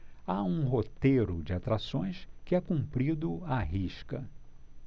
há um roteiro de atrações que é cumprido à risca